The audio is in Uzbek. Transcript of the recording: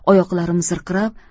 oyoqlarim zirqirab